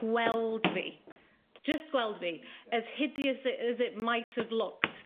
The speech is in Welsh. gweld fi, jyst gweld fi, as hideous a- as it might have looked.